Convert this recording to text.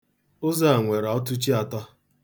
Ụzọ a nwere ọtụchi atọ.